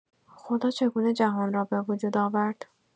خدا چگونه جهان را به وجود آورد؟